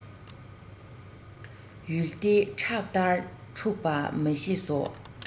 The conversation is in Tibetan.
ཡུལ སྡེ ཁྲག ལྟར འཁྲུག པ མི ཤེས སོ